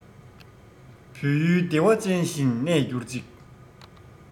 བོད ཡུལ བདེ བ ཅན བཞིན གནས འགྱུར ཅིག